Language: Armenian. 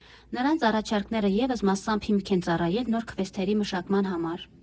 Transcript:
Նրանց առաջարկները ևս մասամբ հիմք են ծառայել նոր քվեսթերի մշակման համար։